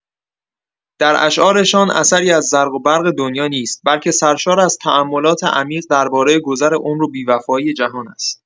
در اشعارشان اثری از زرق و برق دنیا نیست، بلکه سرشار از تاملات عمیق درباره گذر عمر و بی‌وفایی جهان است.